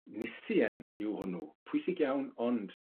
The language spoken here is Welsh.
Nisien yw hwnnw, pwysig iawn, ond